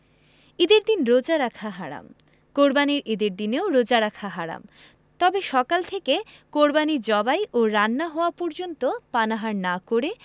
ঈদের দিন রোজা রাখা হারাম কোরবানির ঈদের দিনেও রোজা রাখা হারাম তবে সকাল থেকে কোরবানি জবাই ও রান্না হওয়া পর্যন্ত পানাহার না করে